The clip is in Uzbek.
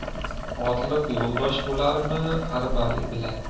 otliq yo'ldosh bo'larmi arbali bilan